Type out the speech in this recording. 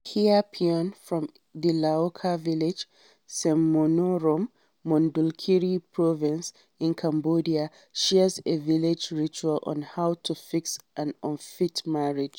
Hea Phoeun from the Laoka Village, Senmonorom, Mondulkiri Province in Cambodia shares a village ritual on how to fix an unfit marriage.